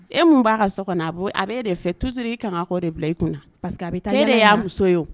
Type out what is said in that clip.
E mun b'a ka so kɔnɔ a a bɛ e de fɛ tusiri i kankɔ de bila i kun pa que taa e de y'a muso ye